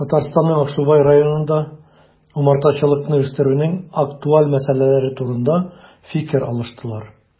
Татарстанның Аксубай районында умартачылыкны үстерүнең актуаль мәсьәләләре турында фикер алыштылар